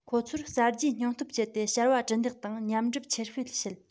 ཁོ ཚོར གསར བརྗེའི སྙིང སྟོབས བསྐྱེད དེ ཕྱར བ གྲུ འདེགས དང མཉམ སྒྲུབ ཆེར སྤེལ བྱེད